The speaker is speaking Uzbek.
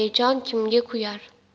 bejon kimga kuyar